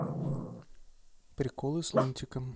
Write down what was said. приколы с лунтиком